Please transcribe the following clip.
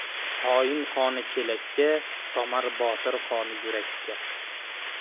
xoin qoni chelakka tomar botir qoni yurakka